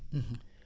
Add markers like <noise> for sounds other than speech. <hesitation> <hesitation>